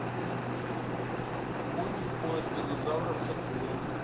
мультик поезд динозавров с акулой